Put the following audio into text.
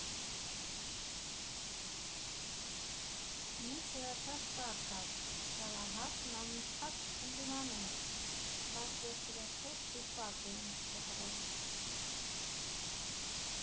«Մի չորացած ծառ կար, Սարհատն անընդհատ ընդդիմանում էր, բայց վերջիվերջո ստիպված էինք կտրել։